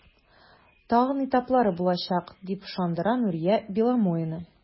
Тагын этаплары булачак, дип ышандыра Нурия Беломоина.